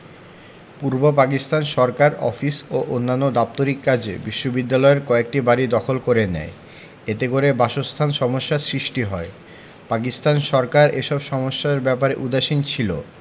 পূর্ব পাকিস্তান সরকার অফিস ও অন্যান্য দাপ্তরিক কাজে বিশ্ববিদ্যালয়ের কয়েকটি বাড়ি দখল করে নেয় এতে করে বাসস্থান সমস্যার সৃষ্টি হয় পাকিস্তান সরকার এসব সমস্যার ব্যাপারে উদাসীন ছিল